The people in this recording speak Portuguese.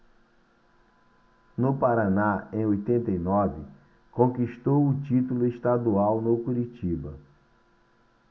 no paraná em oitenta e nove conquistou o título estadual no curitiba